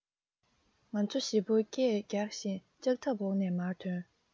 ང ཚོ བཞི པོ སྐད རྒྱག བཞིན ལྕག ཐབས འོག ནས མར ཐོན